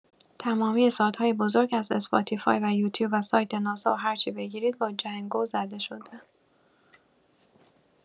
تمامی سایت‌های بزرگ از اسپاتیفای و یوتیوب و سایت ناسا و هر چی بگیرید با جنگو زده‌شده